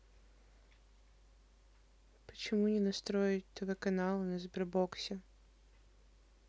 почему не настроить тв каналы на сбербоксе